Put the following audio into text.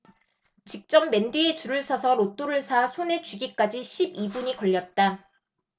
직접 맨 뒤에 줄을 서서 로또를 사 손에 쥐기까지 십 이 분이 걸렸다